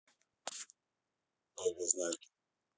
биби знайки